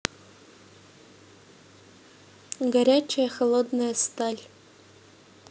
горячая холодная сталь